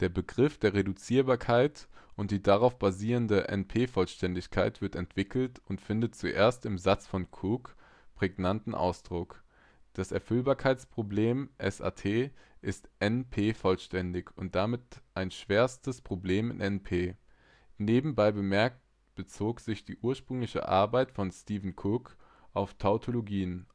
Begriff der Reduzierbarkeit und die darauf basierende NP-Vollständigkeit wird entwickelt und findet zuerst im Satz von Cook (1971) prägnanten Ausdruck: Das Erfüllbarkeitsproblem (SAT) ist NP-vollständig und damit ein schwerstes Problem in NP. Nebenbei bemerkt bezog sich die ursprüngliche Arbeit von Stephen Cook auf Tautologien